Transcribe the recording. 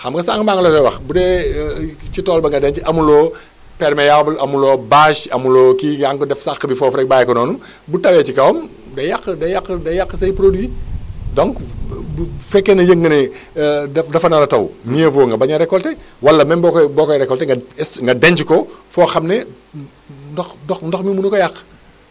xam nga sànq maa ngi la koy wax bu dee ci tool ba nga dem te amuloo perméable amuloo bâche amuloo kii yaa ngi def sàq bi foofu rek bàyyi ko noonu bu tawee ci kawam day yàq day yàq day yàq say produits donc bu fekkee ne yëg nga ne dafa nar a taw mieux vaut nga bañ a récolter wala même boo koy boo koy récolter nga st nga denc ko foo xam ne ndox ndox ndox mi mënu ko yàq